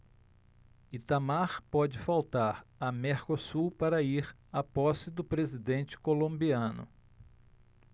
itamar pode faltar a mercosul para ir à posse do presidente colombiano